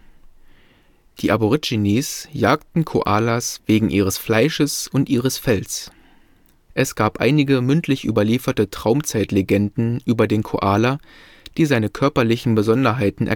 Die Aborigines jagten Koalas wegen ihres Fleisches und ihres Fells. Es gab einige mündlich überlieferte Traumzeit-Legenden über den Koala, die seine körperlichen Besonderheiten